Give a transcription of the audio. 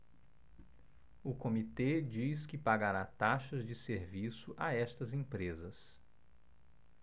o comitê diz que pagará taxas de serviço a estas empresas